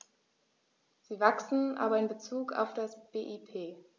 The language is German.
Sie wachsen, aber in bezug auf das BIP.